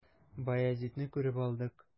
Баязитны күреп алдык.